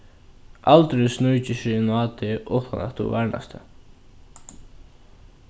aldurin sníkir seg inná teg uttan at tú varnast tað